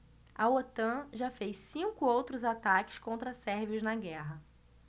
a otan já fez cinco outros ataques contra sérvios na guerra